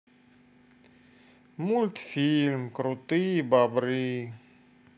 мультфильм крутые бобры